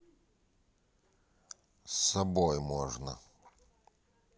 с собой можно